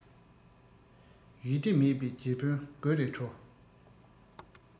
ཡུལ སྡེ མེད པའི རྗེ དཔོན དགོད རེ བྲོ